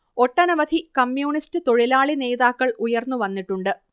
ഒട്ടനവധി കമ്യൂണിസ്റ്റ് തൊഴിലാളി നേതാക്കൾ ഉയർന്നു വന്നിട്ടുണ്ട്